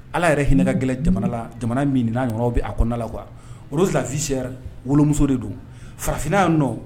Ala yɛrɛ hinɛ ka gɛlɛ jamana la jamana min' ɲɔgɔn bɛ a kɔnɔna na la qu olu filafisisɛ wolomuso de don farafinna nɔ